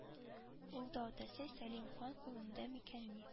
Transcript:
Ул да атасы сәлим хан кулында микәнни